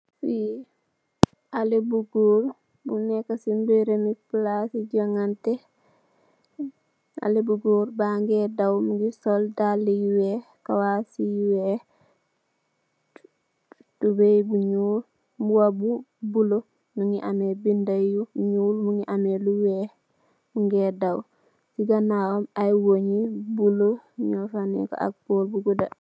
Bii xaleh bu gorr bu neka si mbedabi palasi jonganteh xaleh bu gorr bangi daw mungi sol dalla yu wekh kawas yu wekh tuboy bu nyul mbuba bu bula mungi ameh binda yu nyul mungi ameh lu wekh mungeh daw siganawam ayy wony yu bula nyofa nekka ak gorr bu guda